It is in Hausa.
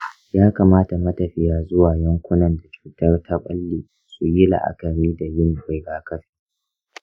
yakamata matafiya zuwa yankunan da cutar ta ɓalle su yi la'akari da yin rigakafi.